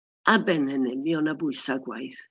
Ar ben hynny, fuodd 'na bwysau gwaith.